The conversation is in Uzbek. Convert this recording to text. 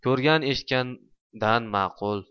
ko'rgan eshitgandan ma'qul